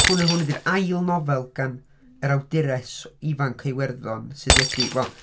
Hwn a hwn ydy'r ail nofel gan yr awdures ifanc o Iwerddon sydd wedi wel...